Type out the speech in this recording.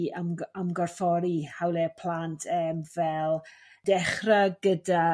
i ym- ymgorffori hawliau plant eem fel dechra' gyda